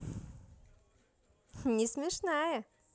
несмешная